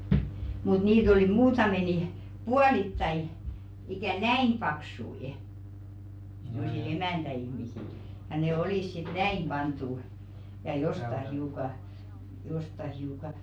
mutta niitä oli muutama niin puolittain ikään näin paksuja semmoisilla emäntäihmisillä ja ne olivat sitten näin pantu ja jostakin hiukan jostakin hiukan